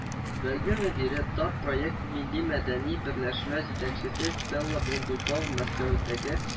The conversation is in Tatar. Бәйге мөдире, "тат проект" милли-мәдәни берләшмә җитәкчесе Стелла Брундукова Мәскәүдәге